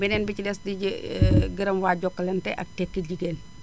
beneen bi ci des di jë gërëm waa Jokalnte ak tekki jigéen